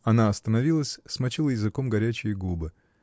— Она остановилась, смочила языком горячие губы.